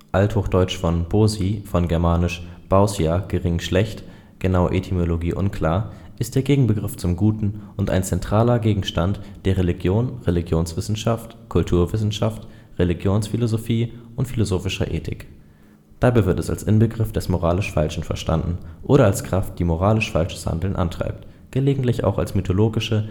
ahd. bôsi, von germanisch * bausja -„ gering, schlecht “, genaue Etymologie unklar) ist der Gegenbegriff zum Guten und ein zentraler Gegenstand der Religion, Religionswissenschaft, Kulturwissenschaft, Religionsphilosophie, und philosophischer Ethik. Dabei wird es als Inbegriff des moralisch Falschen verstanden, oder als Kraft, die moralisch falsches Handeln antreibt, gelegentlich auch als mythologische